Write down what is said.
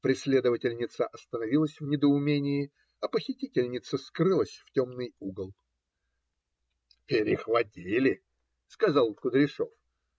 Преследовательница остановилась в недоумении, а похитительница скрылась в темный угол. - Перехватили! - сказал Кудряшов.